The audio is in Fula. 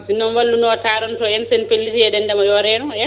sinno mo walluno o taronto en sen pelliti eɗen ndeema yo reeno en